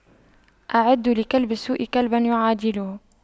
أعدّوا لكلب السوء كلبا يعادله